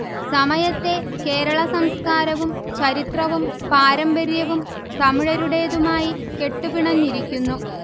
സമയത്തെ കേരള സംസ്കാരവും ചരിത്രവും പാരമ്പര്യവും തമിഴരുടേതുമായി കെട്ടുപിണഞ്ഞിരിക്കുന്നു